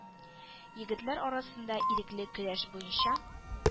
Егетләр арасында ирекле көрәш буенча